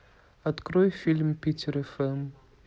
открой фильм питер фм